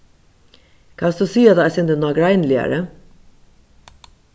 kanst tú siga tað eitt sindur nágreiniligari